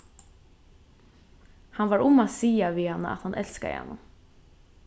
hann var um at siga við hana at hann elskaði hana